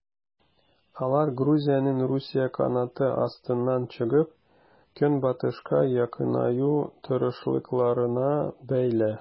Алар Грузиянең Русия канаты астыннан чыгып, Көнбатышка якынаю тырышлыкларына бәйле.